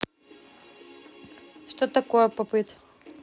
что такое pop it